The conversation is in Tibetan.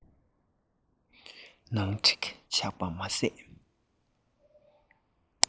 ནག དྲེག ཆགས པ མ ཟད